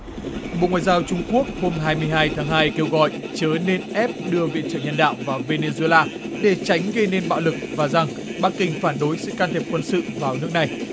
bộ ngoại giao trung quốc hôm hai mươi hai tháng hai kêu gọi chớ nên ép đưa viện trợ nhân đạo vào vi nây giô la để tránh gây nên bạo lực và rằng bắc kinh phản đối sự can thiệp quân sự vào nước này